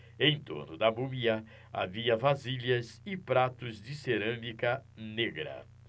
em torno da múmia havia vasilhas e pratos de cerâmica negra